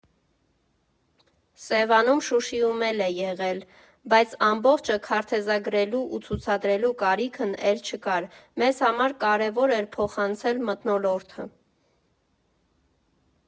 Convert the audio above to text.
Սևանում, Շուշիում էլ է եղել, բայց ամբողջը քարտեզագրելու ու ցուցադրելու կարիքն էլ չկար։ Մեզ համար կարևոր էր փոխանցել մթնոլորտը։